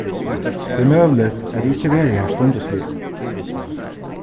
tað er møguligt at eg ikki verði har stundisliga